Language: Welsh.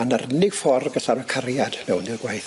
A 'na'r unig ffor galla ro' cariad mewn i'r gwaith.